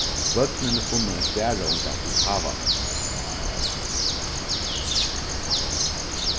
børnini funnu ein staraunga í havanum